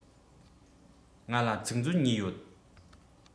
ང ལ ཚིག མཛོད གཉིས ཡོད